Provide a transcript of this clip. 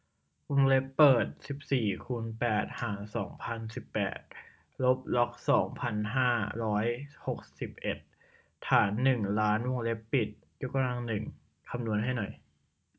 วงเล็บเปิดสิบสี่คูณแปดหารสองพันสิบแปดลบล็อกสองพันห้าร้อยหกสิบเอ็ดฐานหนึ่งล้านวงเล็บปิดยกกำลังหนึ่งคำนวณให้หน่อย